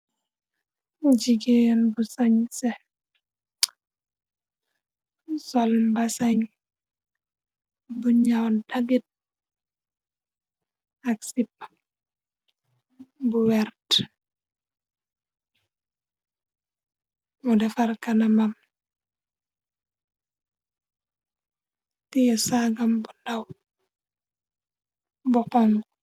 Jigeen bu sañ se sol mba sañ bu ñaw daggit ak sipu bu werte mu defar kana mam tee yi saagam bu ndaw bu xonku.